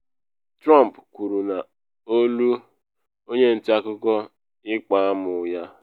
Trump kwuru n’olu “onye nta akụkọ” ịkpa amụ ya.